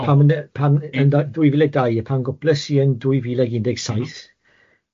A pan yn yy pan yn dau- dwy fil a dau, pan gwples i yn dwy fil ag un deg saith... M-hm.